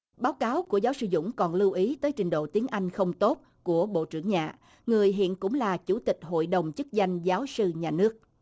báo cáo của giáo sư dũng còn lưu ý tới trình độ tiếng anh không tốt của bộ trưởng nhạ người hiện cũng là chủ tịch hội đồng chức danh giáo sư nhà nước